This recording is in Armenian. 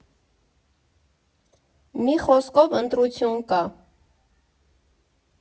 Մի խոսքով, ընտրություն կա։